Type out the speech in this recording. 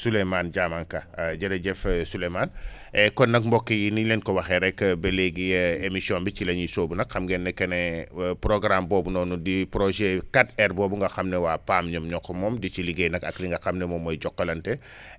Souleymane Diamanka jërëjëf Souleymane kon nag mbokk yi ni ñu leen ko waxee rek ba léegi émission bi ci la ñuy sóobu nag xam ngeen ne que ne programme boobu noonu di projet 4R boobu nga xam ne waa PAM ñoo ko moom dici liggéey nag ak li nga xam ne mooy Jokalante